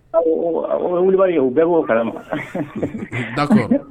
Awɔ o a o ye wilibali ye o bɛɛ b'o kalama d'accord